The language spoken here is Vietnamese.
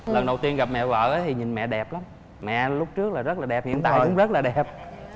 lần đầu tiên gặp mẹ vợ ớ thì nhìn mẹ đẹp lắm mẹ lúc trước là rất là đẹp hiện tại cũng rất là đẹp